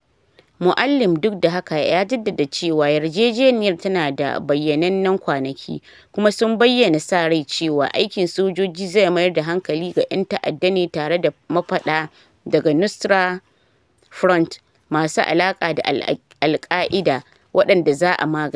Moualem duk da haka ya jadadda cewa yarjejeniyar ta na da “bayyanannen kwanaki” kuma sun bayyana sa rai cewa aikin sojoji zai mayar da hankali ga ‘yan ta’adda ne tare da mafaɗa daga Nusra Front masu alaka da Al-Qaeda, waɗanda “za’a magance.”